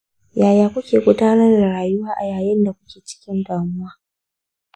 yaya kuke gudanar da rayuwa a yayin da kuke cikin damuwa?